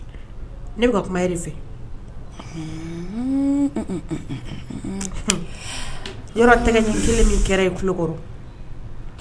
Ne bɛ ka kuma de fɛ yɔrɔ tɛ ni kelen min kɛra ye kɔrɔ